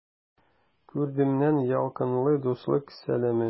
Күрдемнән ялкынлы дуслык сәламе!